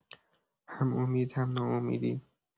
هم امید، هم ناامیدی.